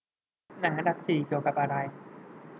หนังอันดับสี่เกี่ยวกับอะไร